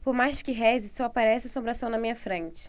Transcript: por mais que reze só aparece assombração na minha frente